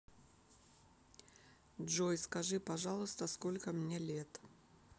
джой скажи пожалуйста сколько мне лет